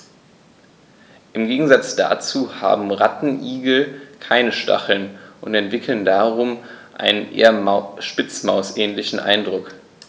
Im Gegensatz dazu haben Rattenigel keine Stacheln und erwecken darum einen eher Spitzmaus-ähnlichen Eindruck.